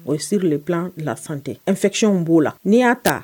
O ye sur le plan de la santé infection min b'o la n'i y'a ta